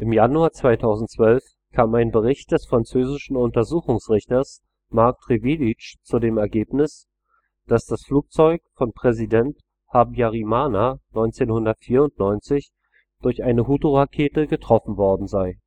Januar 2012 kam ein Bericht des französischen Untersuchungsrichters Marc Trévidic zu dem Ergebnis, dass das Flugzeug von Präsident Habyarimana 1994 durch eine Hutu-Rakete getroffen worden sei